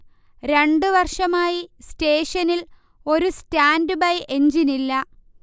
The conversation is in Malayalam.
രണ്ടു വർഷമായി സ്റ്റേഷനിൽ ഒരു സ്റ്റാന്റ് ബൈ എഞ്ചിനില്ല